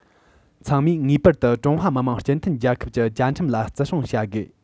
ཚང མས ངེས པར དུ ཀྲུང ཧྭ མི དམངས སྤྱི མཐུན རྒྱལ ཁབ ཀྱི བཅའ ཁྲིམས ལ བརྩི སྲུང བྱ དགོས